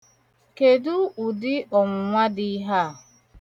Kedụ ụdị ọnwụnwa dị ihe a?